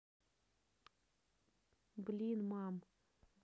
блин мам